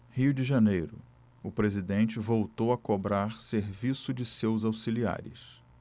rio de janeiro o presidente voltou a cobrar serviço de seus auxiliares